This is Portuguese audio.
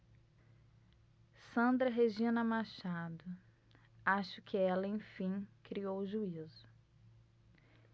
sandra regina machado acho que ela enfim criou juízo